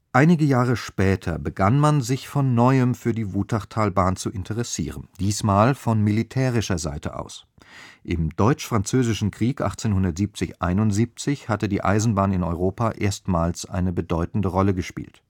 Einige Jahre später begann man sich von neuem für die Wutachtalbahn zu interessieren, diesmal von militärischer Seite aus: Im Deutsch-Französischen Krieg 1870 / 1871 hatte die Eisenbahn in Europa erstmals eine bedeutende Rolle gespielt